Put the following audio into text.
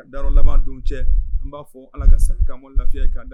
Da laban cɛ an b'a fɔ ala ka lafiya kan